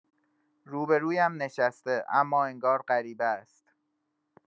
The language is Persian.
روبه‌رویم نشسته، اما انگار غریبه است.